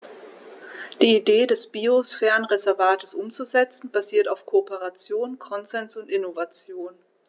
Die Idee des Biosphärenreservates umzusetzen, basiert auf Kooperation, Konsens und Innovation.